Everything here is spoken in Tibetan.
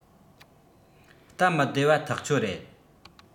སྟབས མི བདེ བ ཐག ཆོད རེད